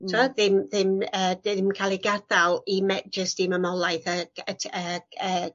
T'wod? Ddim ddim yy ddim yn ca'l ei gadal i me- jyst i mamolaeth yy gy- y t- yy yy g-